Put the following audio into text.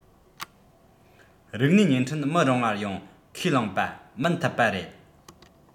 རིག ནུས བརྙན འཕྲིན མི རིང བར ཡང ཁས བླངས པ མིན ཐུབ པ རེད